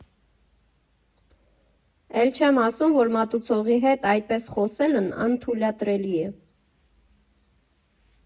Էլ չեմ ասում, որ մատուցողի հետ այդպես խոսելն անթույլատրելի է.